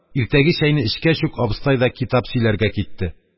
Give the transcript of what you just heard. Иртәге чәйне эчкәч үк, абыстай да китап сөйләргә китте.